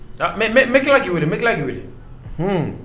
Mɛ tila kkii mɛ tila kkii wele h